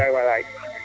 bilaay walaay